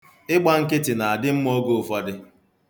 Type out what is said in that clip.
Ịgba nkịtị na-adị mma oge ụfọdụ.